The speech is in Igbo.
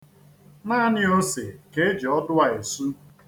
Naanị ose ka e ji ọdụ a esu.